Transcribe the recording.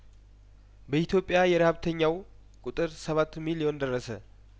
በኢትዮጵያ የረሀብተኛው ቁጥር ሰባት ሚሊዮን ደረሰ